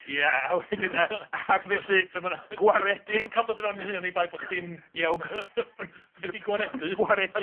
Ie a wedyn yy ac felly gwaredi... Ti'm yn cael dod i fewn i'n nhŷ oni bai bo' chdi'n... Ia wg- be-' 'di gwaredi?